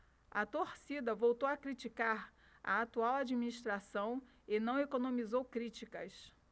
a torcida voltou a criticar a atual administração e não economizou críticas